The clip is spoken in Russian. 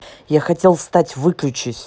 я хотел стать выключись